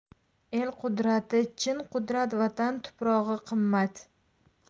el qudrati chin qudrat vatan tuprog'i qimmat